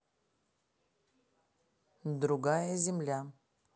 другая земля